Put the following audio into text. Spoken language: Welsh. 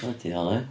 Blydi hel ia?